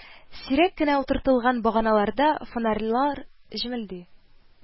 Сирәк кенә утыртылган баганаларда фонарьлар җемелди